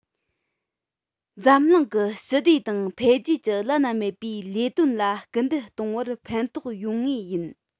འཛམ གླིང གི ཞི བདེ དང འཕེལ རྒྱས ཀྱི བླ ན མེད པའི ལས དོན ལ སྐུལ འདེད གཏོང བར ཕན ཐོགས ཡོང ངེས ཡིན